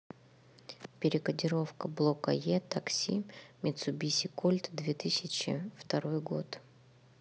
перекодировка блока е такси мицубиси кольт две тысячи второй год